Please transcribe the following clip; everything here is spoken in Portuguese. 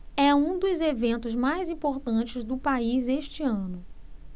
é um dos eventos mais importantes do país este ano